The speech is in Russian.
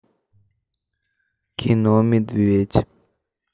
кино медведь